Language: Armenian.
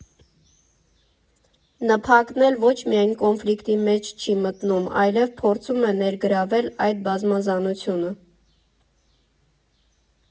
ՆՓԱԿ֊ն էլ ոչ միայն կոնֆլիկտի մեջ չի մտնում, այլև փորձում է ներգրավել այդ բազմազանությունը։